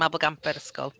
Mabolgampau'r ysgol.